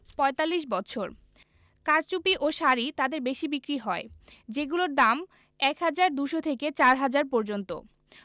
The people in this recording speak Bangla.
৪৫ বছর কারচুপি ও শাড়ি তাঁদের বেশি বিক্রি হয় যেগুলোর দাম ১ হাজার ২০০ থেকে ৪ হাজার পর্যন্ত